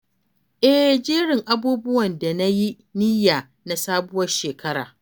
Eh, jerin abubuwan da na yi niyya na Sabuwar Shekara.